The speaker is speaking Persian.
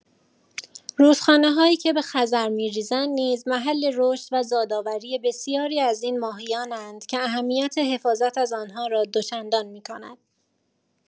رودخانه‌هایی که به خزر می‌ریزند نیز محل رشد و زادآوری بسیاری از این ماهیان‌اند که اهمیت حفاظت از آنها را دوچندان می‌کند.